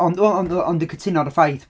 Ond dwi'n meddwl- ond dwi'n cytuno ar y ffaith...